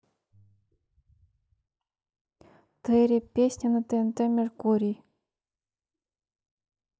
терри песня на тнт меркурий